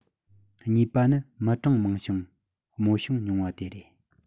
གཉིས པ ནི མི གྲངས མང ཞིང རྨོ ཞིང ཉུང བ དེ རེད